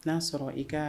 I t'a sɔrɔ i ka